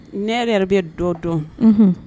Ne yɛrɛ de bɛ dɔ dɔn